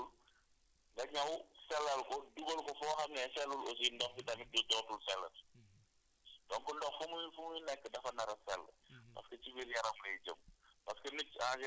parce que ndox aussi fa nga koy jëlee su sellul nga ñëw sellal ko dugal ko koo xam ne sellul aussi ndox bi si dootul sellati donc ndox fu muy fu muy nekk dafa nar a sell